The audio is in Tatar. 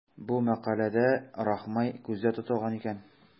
Бу мәкаләдә Рахмай күздә тотылган икән.